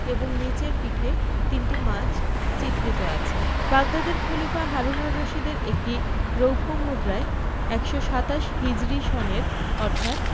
এবং নিচের পিঠে তিনটি মাছ চিত্রিত আছে বাগদাদের খলিফা হারুন অর রশিদের একটি রৌপ্য মুদ্রায় ১২৭ হিজরি সনের অর্থাৎ